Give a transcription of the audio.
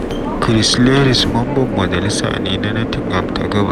Chris Leslie mamban majalisa ne na Nottingham ta Gabasa